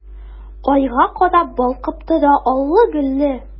Айга карап балкып тора аллы-гөлле!